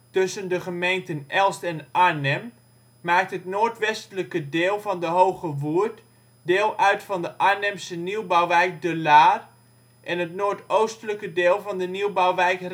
tussen de gemeenten Elst en Arnhem maakt het noordwestelijke deel van de ' Hoge Woerd ' deel uit van de Arnhemse nieuwbouwwijk De Laar en het noordoostelijke deel van de nieuwbouwwijk